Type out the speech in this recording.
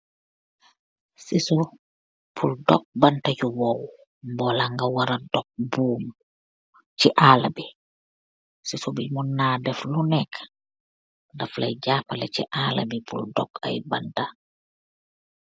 Scissor pur dok banta yu wohww, bohla nga wara dok boum, chi aarlah bi, scissor bii mun na def luneka, daflai japaleh ci aarlah bi pur dok aiiy bantah.